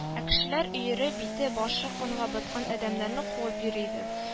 Ә кешеләр өере бите-башы канга баткан адәмне куып йөри иде